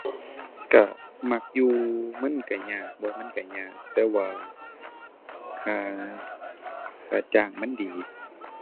ก็มักอยู่มันก็ยากบ่มันก็ยาก แต่ว่าค่า ค่าจ้างมันดี